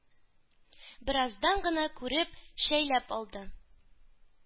Бераздан гына күреп-шәйләп алды.